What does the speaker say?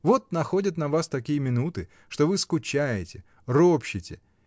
Вот находят на вас такие минуты, что вы скучаете, ропщете